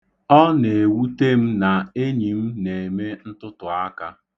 Ọ na-ewute m na enyi m na-eme ntụtụaka.